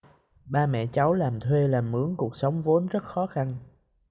ba mẹ cháu làm thuê làm mướn cuộc sống vốn rất khó khăn